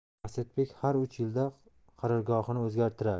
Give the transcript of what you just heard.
asadbek har uch yilda qarorgohini o'zgartirardi